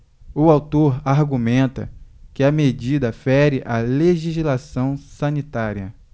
o autor argumenta que a medida fere a legislação sanitária